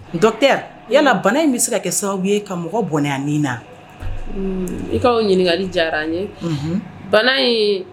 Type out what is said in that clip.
Dɔtɛ yan bana in bɛ se ka kɛ sababu ye ka mɔgɔ bɔn na i kaaw ɲininkakali diyara an n ye bana in